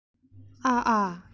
ཨ ཨ